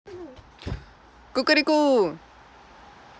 кукареку